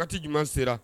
Waatiti jumɛn sera